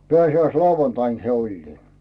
pääsiäislauantaina se oli